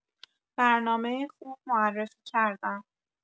برنامه خوب معرفی کردم